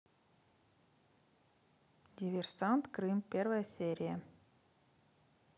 диверсант крым первая серия